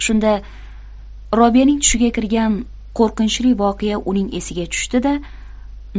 shunda robiyaning tushiga kirgan qo'rqinchli voqea uning esiga tushdi da